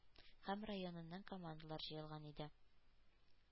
Һәм районыннан командалар җыелган иде.